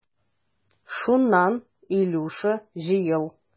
Шуннан, Илюша, җыел.